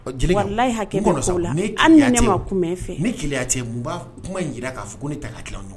Jelliba n kɔnɔ, wallahi hakɛ , hali ni ne ma kuma i fɛ, n kɔnɔ sa, ni keleya tɛ, mun b'a kuma in jira k'a fɔ ko ne ta ka tilen aw ni ɲɔgɔn cɛ?